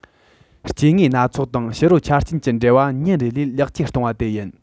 སྐྱེ དངོས སྣ ཚོགས དང ཕྱི རོལ ཆ རྐྱེན གྱི འབྲེལ བ ཉིན རེ ལས ལེགས བཅོས བཏང བ དེ ཡིན